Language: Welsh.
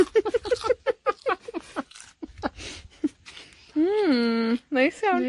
Hmm, neis iawn!